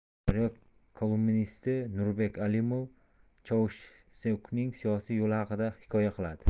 daryo kolumnisti nurbek alimov chausheskuning siyosiy yo'li haqida hikoya qiladi